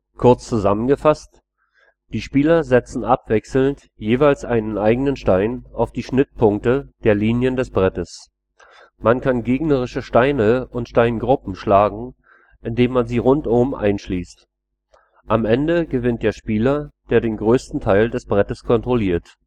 Kurz zusammengefasst: Die Spieler setzen abwechselnd jeweils einen eigenen Stein auf die Schnittpunkte der Linien des Brettes. Man kann gegnerische Steine und Steingruppen schlagen, indem man sie rundum einschließt. Am Ende gewinnt der Spieler, der den größeren Teil des Brettes kontrolliert